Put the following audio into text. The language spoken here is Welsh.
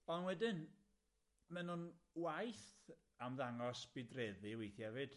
On' wedyn, ma' nw'n waeth am ddangos budreddi weithie 'fyd.